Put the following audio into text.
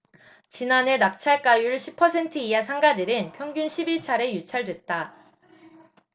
지난해 낙찰가율 십 퍼센트 이하 상가들은 평균 십 일 차례 유찰됐다